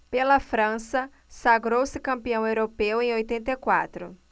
pela frança sagrou-se campeão europeu em oitenta e quatro